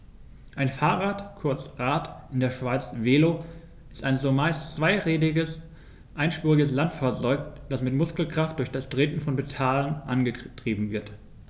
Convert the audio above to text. Ein Fahrrad, kurz Rad, in der Schweiz Velo, ist ein zumeist zweirädriges einspuriges Landfahrzeug, das mit Muskelkraft durch das Treten von Pedalen angetrieben wird.